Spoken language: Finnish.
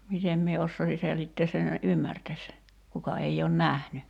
miten minä osaisin selittää sen että ymmärtäisi kuka ei ole nähnyt